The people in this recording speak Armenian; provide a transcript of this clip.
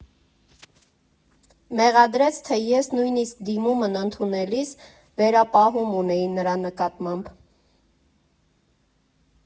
Մեղադրեց, թե ես նույնիսկ դիմումն ընդունելիս վերապահում ունեի նրա նկատմամբ։